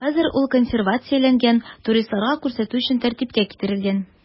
Хәзер ул консервацияләнгән, туристларга күрсәтү өчен тәртипкә китерелгән.